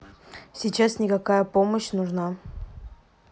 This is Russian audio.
сейчас никакая помощь нужна